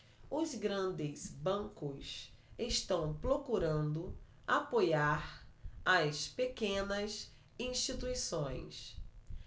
os grandes bancos estão procurando apoiar as pequenas instituições